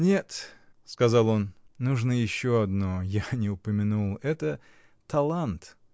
— Нет, — сказал он, — нужно еще одно, я не упомянул: это. талант.